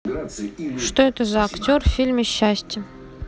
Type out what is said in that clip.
что это за актер в фильме счастье